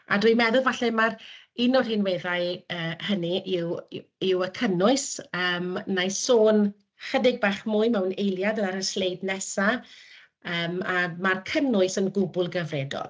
A dwi'n meddwl falle mai'r un o'r rhinweddau yy hynny yw y- yw y cynnwys, yym, na'i sôn chydig bach mwy mewn eiliad ar y sleid nesaf yym a mae'r cynnwys yn gwbl gyfredol.